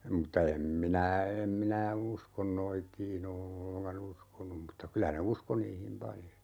mutta en minä en minä usko noitiin ole ollenkaan uskonut mutta kyllä ne uskoi niihin paljon